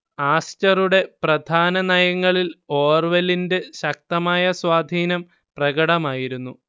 ആസ്റ്ററുടെ പ്രധാന നയങ്ങളിൽ ഓർവെലിന്റെ ശക്തമായ സ്വാധീനം പ്രകടമായിരുന്നു